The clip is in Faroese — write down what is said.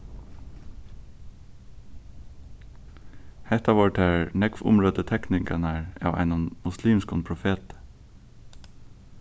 hetta vóru tær nógv umrøddu tekningarnar av einum muslimskum profeti